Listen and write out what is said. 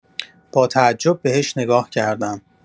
با تعجب بهش نگاه کردم